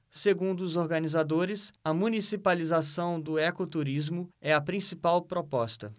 segundo os organizadores a municipalização do ecoturismo é a principal proposta